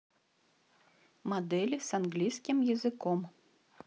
модели с английским языком